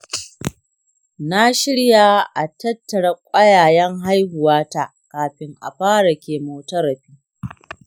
na shirya a tattara ƙwayayen haihuwata kafin a fara chemotherapy.